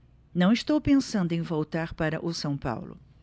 não estou pensando em voltar para o são paulo